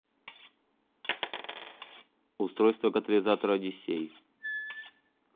устройство катализатора одиссей